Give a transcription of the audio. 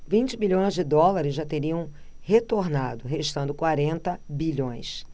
vinte bilhões de dólares já teriam retornado restando quarenta bilhões